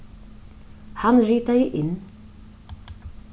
hann ritaði inn